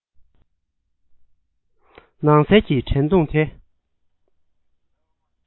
ནང གསལ གྱི དྲན གདུང དེ